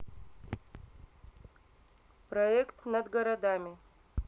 проект над городами